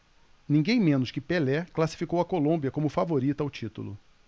ninguém menos que pelé classificou a colômbia como favorita ao título